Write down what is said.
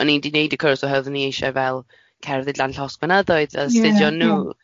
O'n i di wneud y cwrs oherwydd o'n i eisiau fel cerdded lan llosgfynyddoedd... Ie ie. ..a astudio nhw.